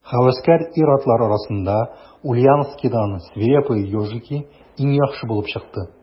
Һәвәскәр ир-атлар арасында Ульяновскидан «Свирепые ежики» иң яхшы булып чыкты.